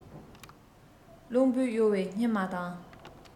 རླུང བུས གཡོ བའི སྙེ མ དང